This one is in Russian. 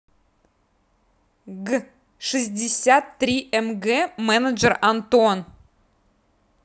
г шестьдесят три мг менеджер антон